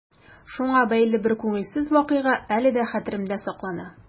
Шуңа бәйле бер күңелсез вакыйга әле дә хәтеремдә саклана.